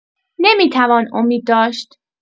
نمی‌توان امید داشت.